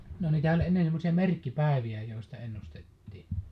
no niitähän oli ennen semmoisia merkkipäiviä joista ennustettiin